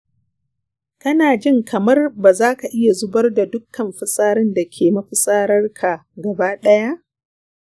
kana jin kamar ba zaka iya zubar da dukkan fitsarin da ke mafitsararka gaba ɗaya?